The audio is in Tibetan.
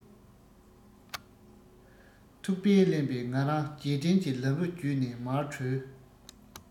ཐུག པས བརླན པའི ང རང རྗེས དྲན གྱི ལམ བུ བརྒྱུད ནས མར བྲོས